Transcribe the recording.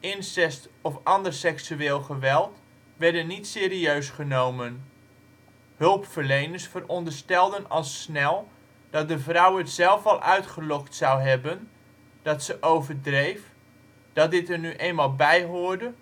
incest of ander seksueel geweld werden niet serieus genomen; hulpverleners veronderstelden al snel dat de vrouw het zelf wel uitgelokt zou hebben, dat ze overdreef, dat dit er nu eenmaal bijhoorde